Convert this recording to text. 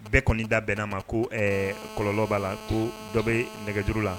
Bɛɛ kɔni da bɛn'a ma ko kɔlɔlɔnlɔba la ko dɔ bɛ nɛgɛjuru la